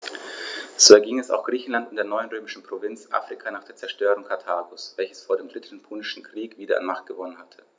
So erging es auch Griechenland und der neuen römischen Provinz Afrika nach der Zerstörung Karthagos, welches vor dem Dritten Punischen Krieg wieder an Macht gewonnen hatte.